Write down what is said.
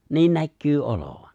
niin näkyy olevan